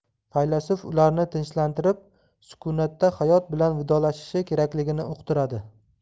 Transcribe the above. faylasuf ularni tinchlantirib sukunatda hayot bilan vidolashishi kerakligini uqtiradi